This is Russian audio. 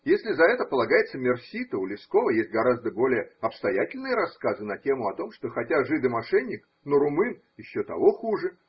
Если за это полагается мерси, то у Лескова есть гораздо более обстоятельные рассказы на тему о том, что хотя жид и мошенник, но румын еще того хуже.